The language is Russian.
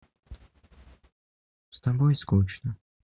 с тобой скучно